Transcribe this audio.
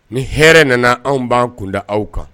Ni hɛrɛ nana anw b'an kunda aw kan